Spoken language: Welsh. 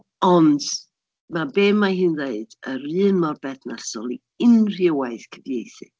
Ond ma' be ma' hi'n ddeud yr un mor berthnasol i unrhyw waith cyfieithu.